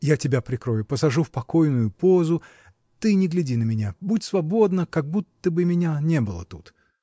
— Я тебя прикрою, посажу в покойную позу, ты не гляди на меня, будь свободна, как будто бы меня не было тут!